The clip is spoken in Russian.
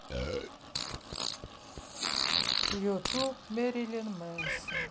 ютуб мэрилин мэнсон